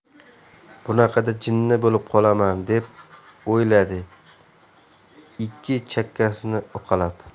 bunaqada jinni bo'lib qolaman deb o'yladi ikki chakkasini uqalab